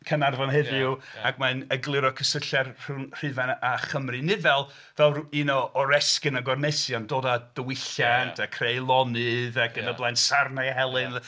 Caernarfon heddiw ac mae'n egluro cysylltiad rhwng Rhufain a Chymru, nid fel... fel un o oresgyn a gormesu ond dod a diwylliant a creu lonydd ac yn y blaen, Sarn Helen.